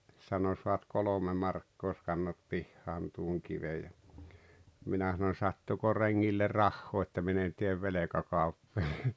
sanoi saat kolme markkaa jos kannat pihaan tuon kiven ja minä sanoin sattuiko rengille rahaa että minä en tee velkakauppoja